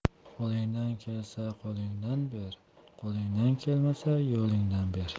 qo'lingdan kelsa qo'lingdan ber qo'lingdan kelmasa yo'lingdan ber